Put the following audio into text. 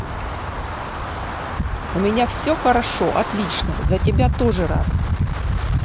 у меня все хорошо отлично за тебя тоже рад